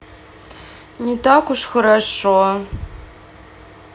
не так уж хорошо